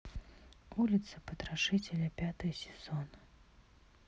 улица потрошителя пятый сезон